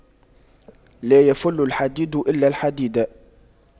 لا يَفُلُّ الحديد إلا الحديد